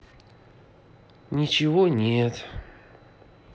ничего нет